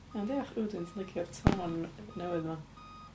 Iawn diolch, ww dwi'n licio'r tôn newydd 'ma.